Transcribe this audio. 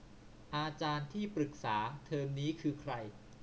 อาจารย์ที่ปรึกษาเทอมนี้คือใคร